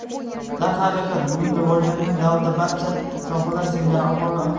darhaqiqat bugungi rivojlangan davrda barcha sohalar singari ommaviy